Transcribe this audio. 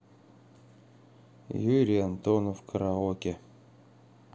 юрий антонов караоке